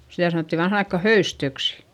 sitä sanottiin vanhaan aikaan höystöksi